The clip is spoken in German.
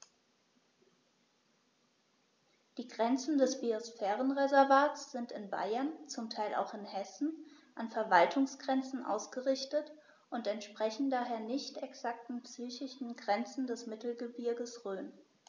Die Grenzen des Biosphärenreservates sind in Bayern, zum Teil auch in Hessen, an Verwaltungsgrenzen ausgerichtet und entsprechen daher nicht exakten physischen Grenzen des Mittelgebirges Rhön.